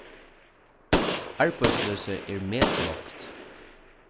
arbeiðsloysið er metlágt